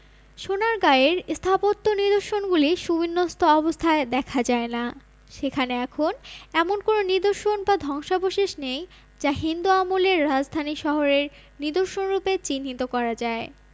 সোনারগাঁয়ের স্থাপত্য নিদর্শনগুলি সুবিন্যস্ত অবস্থায় দেখা যায় না সেখানে এখন এমন কোনো নিদর্শন বা ধ্বংসাবশেষ নেই যা হিন্দু আমলের রাজধানী শহরের নিদর্শনরূপে চিহ্নিত করা যায়